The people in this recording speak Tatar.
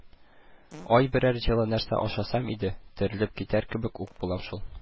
АЙ берәр җылы нәрсә ашасам иде, терелеп китәр кебек үк булам шул